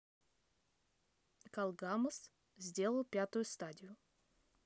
call games сделал пятую стадию